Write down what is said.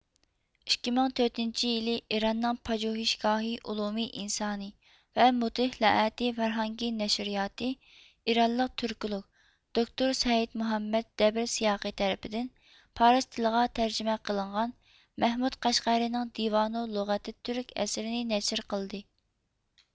ئىككى مىڭ تۆتىنچى يىلى ئىراننىڭ پاجۇھېشگاھى ئۇلۇمى ئىنسانى ۋە مۇتھلەئەتى فارھانگى نەشرىياتى ئىرانلىق تۈركولوگ دوكتۇر سەئىد مۇھەممەد دەبر سىياقى تەرىپىدىن پارس تىلىغا تەرجىمە قىلىنغان مەھمۇد قەشقەرىنىڭ دىۋانۇ لۇغاتىت تۈرك ئەسىرىنى نەشر قىلدى